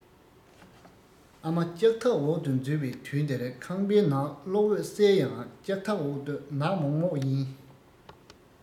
ཨ མ ལྕགས ཐབ འོག ཏུ འཛུལ བའི དུས དེར ཁང པའི ནང གློག འོད གསལ ཡང ལྕགས ཐབ འོག ཏུ ནག མོག མོག ཡིན